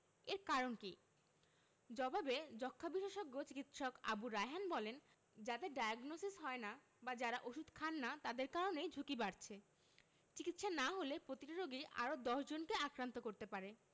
এর কারণ কী জবাবে যক্ষ্মা বিশেষজ্ঞ চিকিৎসক আবু রায়হান বলেন যাদের ডায়াগনসিস হয় না বা যারা ওষুধ খান না তাদের কারণেই ঝুঁকি বাড়ছে চিকিৎসা না হলে প্রতিটি রোগী আরও ১০ জনকে আক্রান্ত করতে পারে